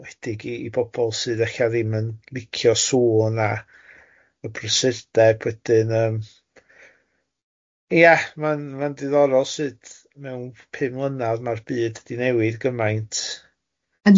yn enwedig i i bobl sydd ella ddim yn licio sŵn a y prysurdeb, wedyn yym ia, ma'n ma'n diddorol sud mewn pum mlynedd ma'r byd wedi newid gymaint.